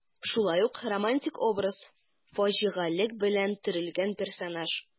Шулай ук романтик образ, фаҗигалек белән төрелгән персонаж.